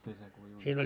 kesäkuu juuni on